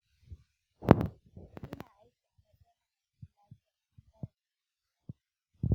ina aiki a matsayin ma'aikacin lafiya a ɓangaren keɓewa.